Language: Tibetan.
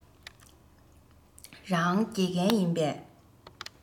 རང དགེ རྒན ཡིན པས